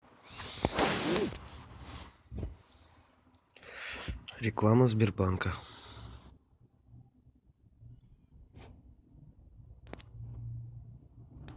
реклама сбербанка